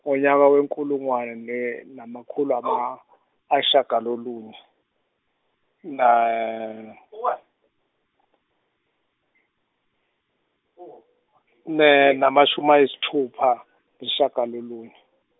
ngonyaka wenkulungwane ne- namakhulu ama- ayisishagalolunye , ne- namashumi ayisithupha nesishagalolunye.